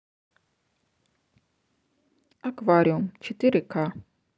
аквариум четыре к